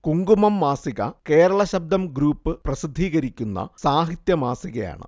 കുങ്കുമം മാസിക കേരള ശബ്ദം ഗ്രൂപ്പ് പ്രസിദ്ധീകരിക്കുന്ന സാഹിത്യ മാസികയാണ്